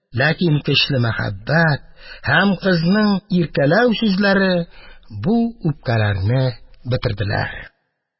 Ләкин көчле мәхәббәт һәм кызның иркәләү сүзләре бу үпкәләрне бетерделәр…